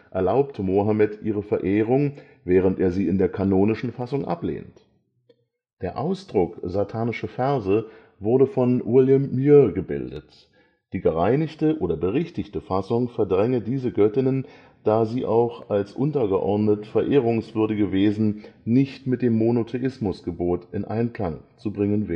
erlaubt Mohammed ihre Verehrung, während er sie in der kanonischen Fassung ablehnt. Der Ausdruck „ Satanische Verse “wurde von William Muir gebildet. Die gereinigte oder berichtigte Fassung verdränge diese Göttinnen, da sie auch als (untergeordnet) verehrungswürdige Wesen nicht mit dem Monotheismusgebot in Einklang zu bringen